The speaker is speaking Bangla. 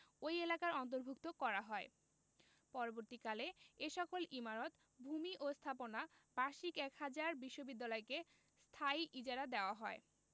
ওই এলাকার অন্তর্ভুক্ত করা হয় পরবর্তীকালে এ সকল ইমারত ভূমি ও স্থাপনা বার্ষিক এক হাজার বিশ্ববিদ্যালয়কে স্থায়ী ইজারা দেওয়া হয়